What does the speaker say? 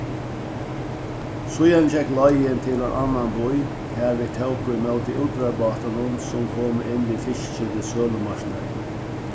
síðan gekk leiðin til ein annan bý har vit tóku ímóti útróðrarbátunum sum komu inn við fiski til sølumarknaðin